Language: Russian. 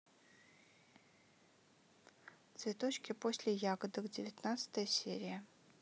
цветочки после ягодок девятнадцатая серия